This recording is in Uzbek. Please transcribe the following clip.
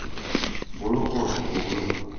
bo'la qol o'g'lim